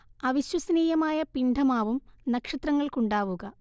അവിശ്വസനീയമായ പിണ്ഡമാവും നക്ഷത്രങ്ങൾക്കുണ്ടാവുക